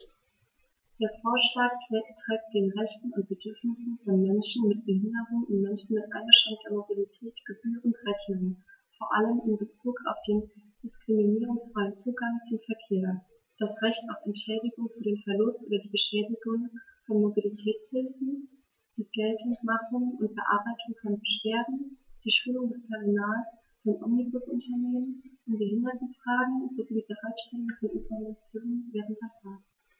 Der Vorschlag trägt den Rechten und Bedürfnissen von Menschen mit Behinderung und Menschen mit eingeschränkter Mobilität gebührend Rechnung, vor allem in Bezug auf den diskriminierungsfreien Zugang zum Verkehr, das Recht auf Entschädigung für den Verlust oder die Beschädigung von Mobilitätshilfen, die Geltendmachung und Bearbeitung von Beschwerden, die Schulung des Personals von Omnibusunternehmen in Behindertenfragen sowie die Bereitstellung von Informationen während der Fahrt.